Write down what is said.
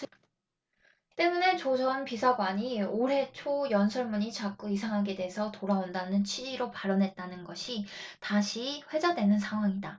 때문에 조 전 비서관이 올해 초 연설문이 자꾸 이상하게 돼서 돌아온다는 취지로 발언했다는 것이 다시 회자되는 상황이다